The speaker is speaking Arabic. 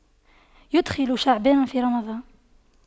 يُدْخِلُ شعبان في رمضان